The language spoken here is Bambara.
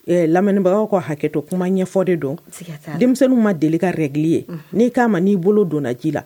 Ee lamɛnibagaw ka hakɛto kuma ɲɛfɔ de don siga t'a la denmisɛnninw ma deli ka règle ye unhun n'i k'a ma n'i bolo donna ji la